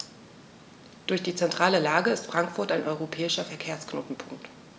Durch die zentrale Lage ist Frankfurt ein europäischer Verkehrsknotenpunkt.